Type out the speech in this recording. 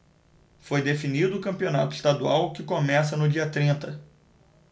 foi definido o campeonato estadual que começa no dia trinta